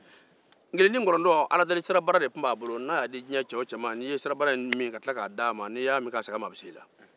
aladelisarabara tun bɛ nkilntinkɔlɔntɔ bolo n'a ye di ma min ma n'i ye sara min k'a segin a ma a be se i la